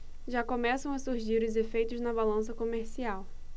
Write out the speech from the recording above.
já começam a surgir os efeitos na balança comercial